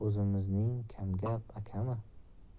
o'zimizning kamgap akami